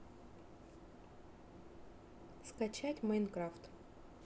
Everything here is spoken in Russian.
скачать minecraft